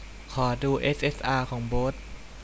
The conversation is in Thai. ขอดูเอสเอสอาของโบ๊ท